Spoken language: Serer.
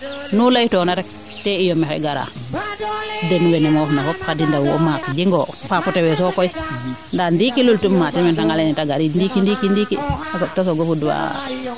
nu ley toona rek te iyo maxey garaa den wene moof na fop Khady Ndaw o maak jingoo fapotewesoo koy ndaa ndiiki lulu tum maa ten o reta nga leynee te gariid ndiiki ndiiki a soɓ te soogo fudwaa